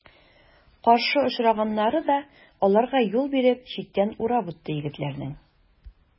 Каршы очраганнары да аларга юл биреп, читтән урап үтте егетләрнең.